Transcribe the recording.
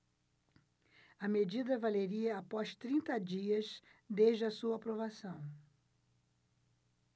a medida valeria após trinta dias desde a sua aprovação